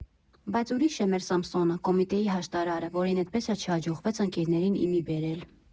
Բայց ուրիշ է մեր Սամսոնը՝ Կոմիտեի հաշտարարը, որին էդպես էլ չհաջողվեց ընկերներին ի մի բերել։